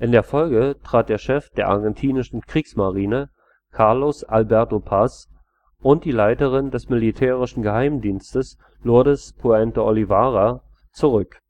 der Folge traten der Chef der argentinischen Kriegsmarine, Carlos Alberto Paz, und die Leiterin des militärischen Geheimdiensts, Lourdes Puente Olivera, zurück